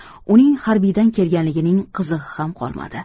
uning harbiydan kelganligining qizig'i ham qolmadi